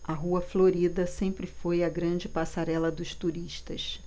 a rua florida sempre foi a grande passarela dos turistas